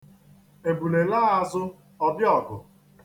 Ebule laa azụ, ọ bịa ọgụ. (Proverb)